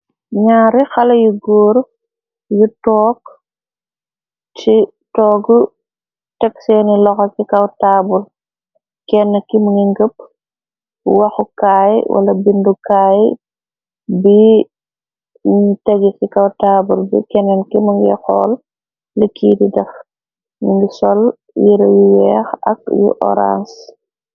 Nyaari xala yu góor yu took ci toogu teg seeni loxa ci kaw taabul. Kenn kimu ngi ngëpp waxu kaay wala bindu kaay bi ñi tegi ci kaw taabul bi. Kennin kimu ngi xool likkiiti dex ni ngi sol yire yu yeex ak yu oranse.